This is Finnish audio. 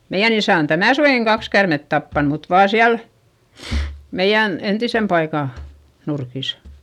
meidän isä on tänä suvenakin kaksi käärmettä tappanut mutta vain siellä meidän entisen paikan nurkissa